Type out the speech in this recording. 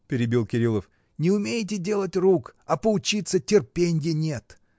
— перебил Кирилов, — не умеете делать рук, а поучиться — терпенья нет!